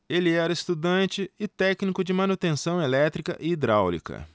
ele era estudante e técnico de manutenção elétrica e hidráulica